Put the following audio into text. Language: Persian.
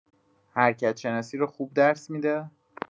حرکت‌شناسی رو خوب درس می‌ده؟